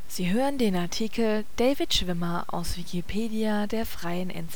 Sie hören den Artikel David Schwimmer, aus Wikipedia, der freien